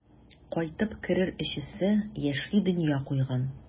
Кайтып керер өчесе яшьли дөнья куйган.